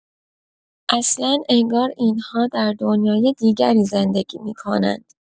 اصلا انگار این‌ها در دنیای دیگری زندگی می‌کنند.